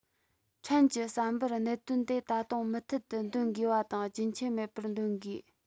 ཕྲན གྱི བསམ པར གནད དོན དེ ད དུང མུ མཐུད འདོན དགོས པ དང རྒྱུན ཆད མེད པར འདོན དགོས